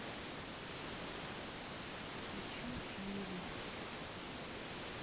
хочу фильм